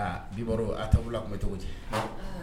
Biba a ta tun bɛ cogo cɛ